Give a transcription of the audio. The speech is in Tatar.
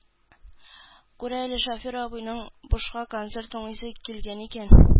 Күр әле, шофер абыйның бушка концерт тыңлыйсы килгән икән